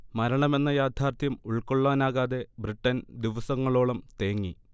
മരണമെന്ന യാഥാർഥ്യം ഉൾക്കൊള്ളാനാകാതെ, ബ്രിട്ടൻ ദിവസങ്ങളോളം തേങ്ങി